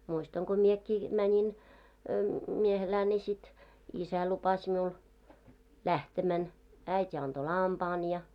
muistan kun minäkin menin miehelään niin sitten isä lupasi minulle lähtemän äiti antoi lampaan ja